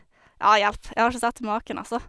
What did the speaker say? Ja, hjelp, jeg har ikke sett maken, altså.